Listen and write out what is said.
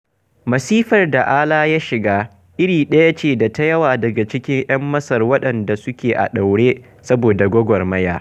Masifar da Alaa ya shiga, iri ɗaya ce da ta da yawa daga cikin 'yan Masar waɗanda suke a ɗaure saboda gwagwarmaya.